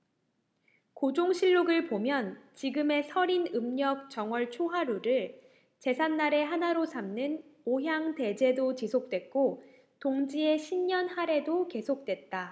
고종실록 을 보면 지금의 설인 음력 정월초하루를 제삿날의 하나로 삼는 오향대제도 지속됐고 동지의 신년하례도 계속됐다